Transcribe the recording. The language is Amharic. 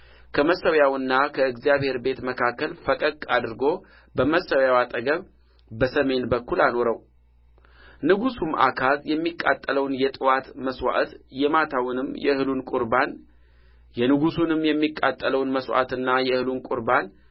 ከመሠዊያውና ከእግዚአብሔር ቤት መካከል ፈቀቅ አድርጎ በመሠውያው አጠገብ በሰሜን በኩል አኖረው ንጉሡም አካዝ የሚቃጠለውን የጥዋት መሥዋዕት የማታውንም የእህሉን ቍርባን የንጉሡንም የሚቃጠለውን መሥዋዕትና የእህሉን ቍርባን